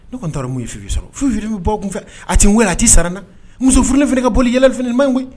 Ne tun taara mu fifi sɔrɔ fitiriri bɛ bɔ tunfɛ a' n wele a tɛ sara nna muso furuin fana ka boli yɛlɛlifini ni ma koyi